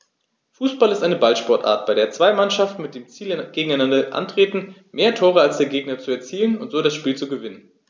Fußball ist eine Ballsportart, bei der zwei Mannschaften mit dem Ziel gegeneinander antreten, mehr Tore als der Gegner zu erzielen und so das Spiel zu gewinnen.